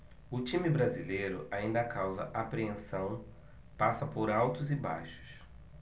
o time brasileiro ainda causa apreensão passa por altos e baixos